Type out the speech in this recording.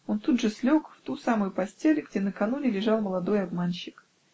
он тут же слег в ту самую постель, где накануне лежал молодой обманщик.